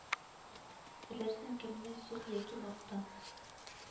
Теләрсәң кемне сүк яки макта